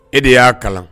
E de y'a kalan